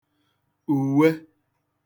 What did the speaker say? ùwe